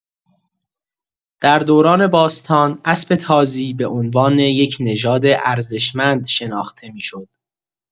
در دوران باستان، اسب تازی به عنوان یک نژاد ارزشمند شناخته می‌شد.